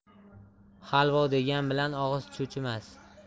halvo degan bilan og'iz chuchimas